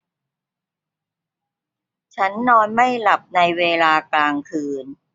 ฉันนอนไม่หลับในเวลากลางคืน